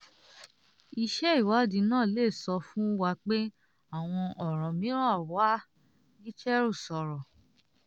"... Iṣẹ́ ìwádìí náà lè ṣọ fún wa pe àwọn ọ̀ràn mìíràn wà," Gicheru sọ̀rọ̀.